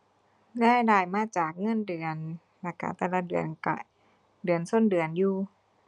รายได้มาจากเงินเดือน แล้วก็แต่ละเดือนก็เดือนก็เดือนอยู่